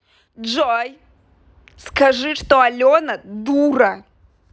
джой скажи что алена дура